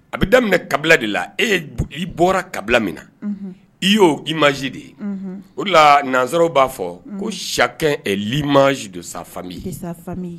A bɛ daminɛ kabila de la e ye i bɔra kabila min na i y'o ji maz de ye o la nanzsɔrɔw b'a fɔ ko sikɛ mazdo sa